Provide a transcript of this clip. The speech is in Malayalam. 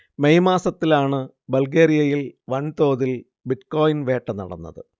മെയ് മാസത്തിലാണ് ബൾഗേറിയയിൽ വൻതോതിൽ ബിറ്റ്കോയിൻ വേട്ട നടന്നത്